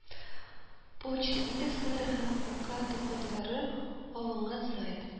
Почта индекслары һәм ОКАТО кодлары алынган сайт